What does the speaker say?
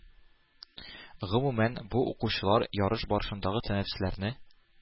Гомумән, бу укучылар ярыш барышындагы тәнәфесләрне